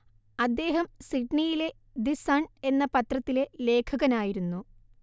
അദ്ദേഹം സിഡ്നിയിലെ the Sun എന്ന പത്രത്തിലെ ലേഖകനായിരുന്നു